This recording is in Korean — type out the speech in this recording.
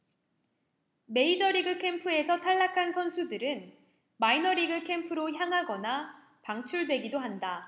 메이저리그 캠프에서 탈락한 선수들은 마이너리그 캠프로 향하거나 방출되기도 한다